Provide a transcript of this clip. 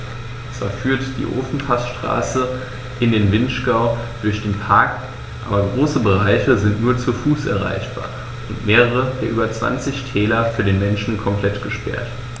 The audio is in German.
Zwar führt die Ofenpassstraße in den Vinschgau durch den Park, aber große Bereiche sind nur zu Fuß erreichbar und mehrere der über 20 Täler für den Menschen komplett gesperrt.